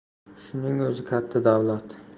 shuning o'zi katta davlat